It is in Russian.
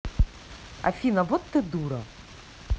афина вот ты дура